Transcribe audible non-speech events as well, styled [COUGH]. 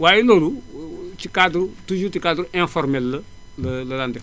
waaye loolu [HESITATION] ci cadre toujours ci cadre informel la la la daan def